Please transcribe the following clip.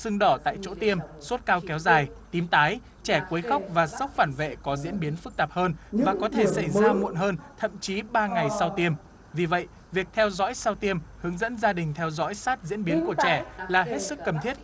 sưng đỏ tại chỗ tiêm sốt cao kéo dài tím tái trẻ quấy khóc và sốc phản vệ có diễn biến phức tạp hơn và có thể xảy ra muộn hơn thậm chí ba ngày sau tiêm vì vậy việc theo dõi sau tiêm hướng dẫn gia đình theo dõi sát diễn biến của trẻ là hết sức cần thiết